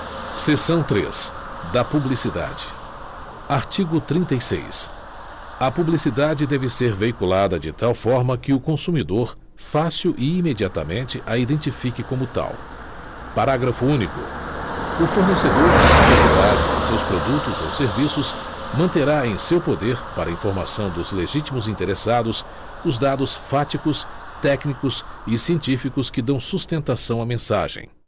seção três da publicidade artigo trinta e seis a publicidade deve ser veiculada de tal forma que o consumidor fácil e imediatamente a identifique como tal parágrafo único o fornecedor na publicidade de seus produtos ou serviços manterá em seu poder para informação dos legítimos interessados os dados fáticos técnicos e científicos que dão sustentação à mensagem